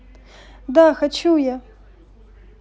да хочу я